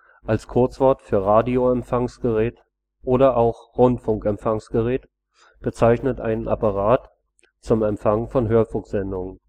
als Kurzwort für Radioempfangsgerät oder auch Rundfunkempfangsgerät bezeichnet einen Apparat zum Empfang von Hörfunksendungen